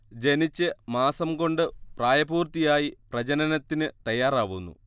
ജനിച്ച് മാസം കൊണ്ട് പ്രായപൂർത്തി ആയി പ്രജനനത്തിന് തയ്യാറാവുന്നു